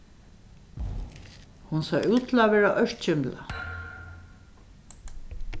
hon sá út til at vera ørkymlað